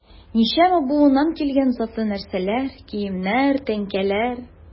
Ничәмә буыннан килгән затлы нәрсәләр, киемнәр, тәңкәләр...